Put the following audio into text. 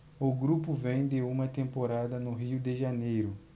o grupo vem de uma temporada no rio de janeiro